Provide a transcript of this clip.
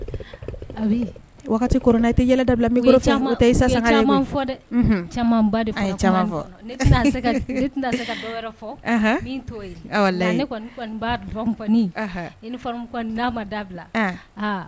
Habi. Wagati koronna i tɛ yɛlɛ dabila micro fɛ. O tɛ Isa Sangare ye dɛ. I ye caman, i ye caman fɔ dɛ! U nhun. Caman ba de fɔra. An ye caman fɔ? Ne tɛ na se ka dɔwɛrɛ fɔ min t'o ye, nka ne kɔni kɔni b'a dɔn kɔni uniforme ko in n'a ma dabila